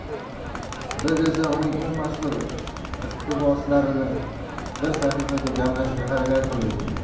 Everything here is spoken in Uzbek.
biz esa uning eng mashhur iqtiboslarini bir sahifaga jamlashga harakat qildik